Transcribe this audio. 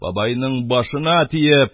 Бабайның башына тиеп,